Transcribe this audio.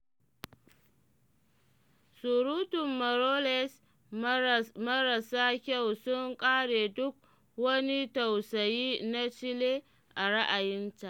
“Surutan Morales marassa kyau sun ƙare duk wani tausayi na Chile, a ra’ayinta.